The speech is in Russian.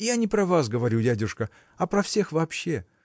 – Я не про вас говорю, дядюшка, а про всех вообще.